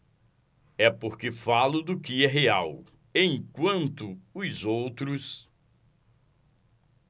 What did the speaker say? é porque falo do que é real enquanto os outros